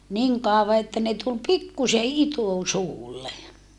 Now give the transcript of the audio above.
niin kauan että ne tuli pikkuisen itusuulle